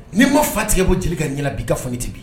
Ni ma fa tigɛ bɔ jeli ka ɲɛ bi ka fɔ ci